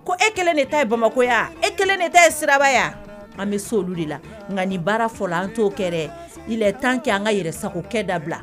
Ko e kelen de ta ye bamakɔya e kelen de ta ye siraya an bɛ so olu de la nka nin baara fɔ la an t'o kɛ tan kɛ an ka yɛrɛ sagokɛ dabila